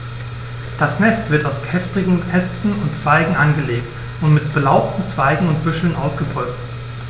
Das Nest wird aus kräftigen Ästen und Zweigen angelegt und mit belaubten Zweigen und Büscheln ausgepolstert.